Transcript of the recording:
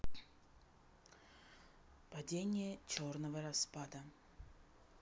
падение черного распада